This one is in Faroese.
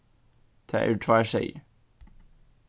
tað eru tveir seyðir